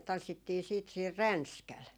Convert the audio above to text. tanssittiin sitten siinä Ränskällä